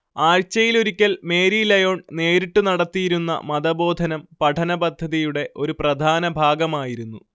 ആഴ്ചയിലൊരിക്കൽ Mary Lyon നേരിട്ടു നടത്തിയിരുന്ന മതബോധനം പഠനപദ്ധതിയുടെ ഒരു പ്രധാന ഭാഗമായിരുന്നു